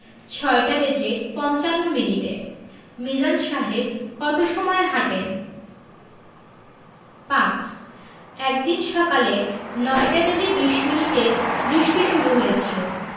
৬টা বেজে পঞ্চান্ন মিনিটে মিজান সাহেব কত সময় হাঁটেন ৫ একদিন সকালে ৯টা বেজে ২০ মিনিটে বৃষ্টি শুরু হয়েছিল